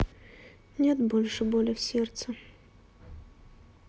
нет больше боли нет мое сердце